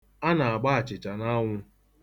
A na-agba achịcha n'anwụ.